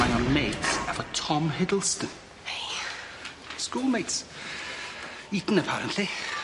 Mae o'n mate efo Tom Hiddleston. Schoolmates. Eton apparently.